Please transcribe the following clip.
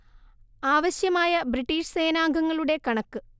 ആവശ്യമായ ബ്രിട്ടീഷ് സേനാംഗങ്ങളുടെ കണക്ക്